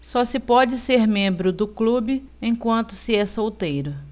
só se pode ser membro do clube enquanto se é solteiro